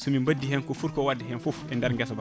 somin baddi hen ko footi ko wadde hen foof e nder guesa ba